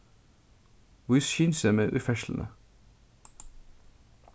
vís skynsemi í ferðsluni